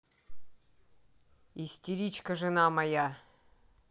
истеричка жена моя